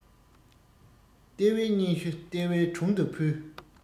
ལྟེ བའི སྙན ཞུ ལྟེ བའི དྲུང དུ ཕུལ